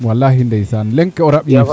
walahi ndeysaan leng ke o raɓ yiif soomo